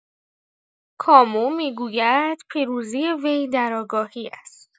کامو می‌گوید پیروزی وی در آگاهی است.